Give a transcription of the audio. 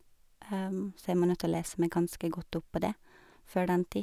Så jeg må nødt å lese meg ganske godt opp på det før den tid.